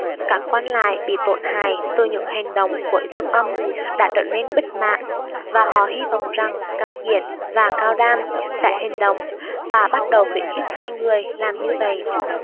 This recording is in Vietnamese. các quan lại bị tổn hại từ những hành động của dương âm đã trở nên bất mãn và họ hy vọng rằng cao diễn và cao đam sẽ hành động và bắt đầu khuyến khích hai người làm như vậy